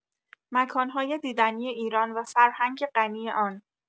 مکان‌های دیدنی ایران و فرهنگ غنی آن